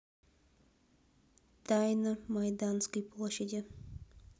тайна майданской площади